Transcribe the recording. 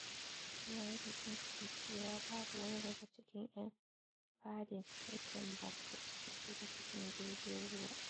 Ya yi baƙin ciki cewa babu wani daga cikin 'yan Baden-Wuerttemberg da suka shiga cikin jirgin ruwa.